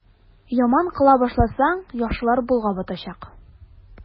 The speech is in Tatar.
Яман кыла башласаң, яхшылар болгап атачак.